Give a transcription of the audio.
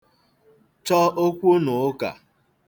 chọ okwunụkà